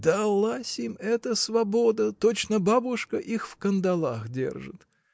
— Далась им эта свобода: точно бабушка их в кандалах держит!